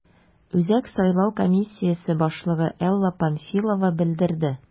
Үзәк сайлау комиссиясе башлыгы Элла Памфилова белдерде: